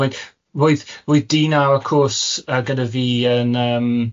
Roedd roedd roedd dyn ar y cwrs gyda fi yn yym